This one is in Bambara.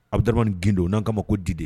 A bɛ taa gdo n' ma ko dide